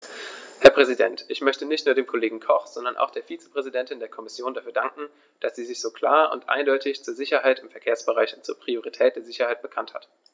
Herr Präsident, ich möchte nicht nur dem Kollegen Koch, sondern auch der Vizepräsidentin der Kommission dafür danken, dass sie sich so klar und eindeutig zur Sicherheit im Verkehrsbereich und zur Priorität der Sicherheit bekannt hat.